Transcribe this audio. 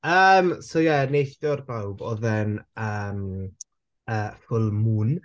Yym so ie neithiwr bawb oedd e'n yym yy full moon.